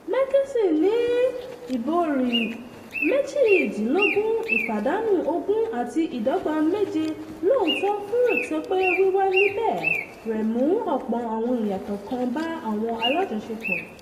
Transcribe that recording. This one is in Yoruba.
Mickelson ní ìborí 18. ìpàdánù 20 àti ìdọ́gba méje, lọ́ọ̀tọ́ Furyk sọ pé wíwà níbẹ̀ rẹ̀ mú ọ̀pọ̀ àwọn ìyàtọ̀ kan bá àwọn alájọṣepọ̀.